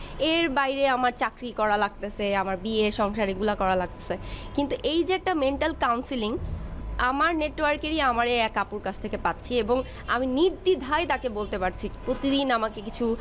এর বাইরে আমার চাকরি করা লাগতেছে আমার বিয়ে সংসার এগুলা করা লাগতেছে কিন্তু এই যে একটা মেন্টাল কাউন্সেলিং আমার নেটওয়ার্কের ই আমার এক আপুর থেকে পাচ্ছি আমি নির্দ্বিধায় তাকে বলতে পারছি প্রতিদিন আমাকে কিছু